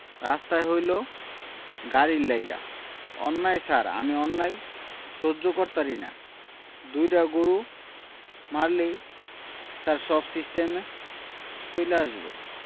রাস্তা হইলো গাড়ির লাইগা অন্যায় ছার আমি সহ্য করতারিনা দুইডা গরু মারলেই ছার সব সিস্টামে চইলা আসবো